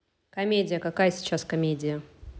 комедия какая сейчас комедия